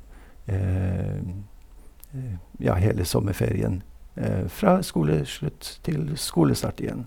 Ja, hele sommerferien fra skoleslutt til skolestart igjen.